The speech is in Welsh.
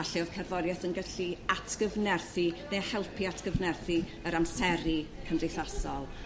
A lle o'dd cerddori'eth yn gallu atgyfnerthu ne' helpu atgyfnerthu yr amseru cymdeithasol.